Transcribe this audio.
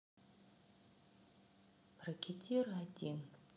рекетир один